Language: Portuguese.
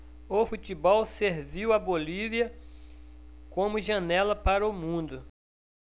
o futebol serviu à bolívia como janela para o mundo